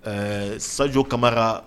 Ɛɛ sajo kamara